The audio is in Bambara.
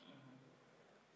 u b'i lamɔ ni mun ye